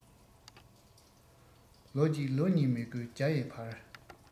ལོ གཅིག ལོ གཉིས མི དགོས བརྒྱ ཡི བར